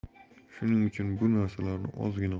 shuning uchun bu narsalar ozgina